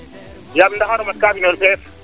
yaam ndaxaro mat kaa fi neno seek